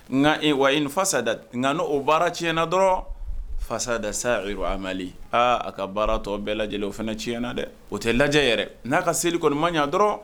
Nka wa i fasa nka' o baara tiyɲɛna dɔrɔn fasa da sa aa a ka baaratɔ bɛɛ lajɛ lajɛlen o fana ciɲɛna dɛ o tɛ lajɛ yɛrɛ n'a ka seli kɔni man ɲɛ dɔrɔn